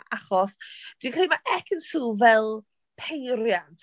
Achos dwi'n credu mae Ekin Su fel peiriant...